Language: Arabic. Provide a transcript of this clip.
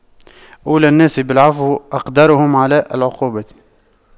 أولى الناس بالعفو أقدرهم على العقوبة